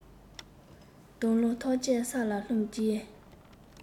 སྡོང ལོ ཐམས ཅད ས ལ ལྷུང རྗེས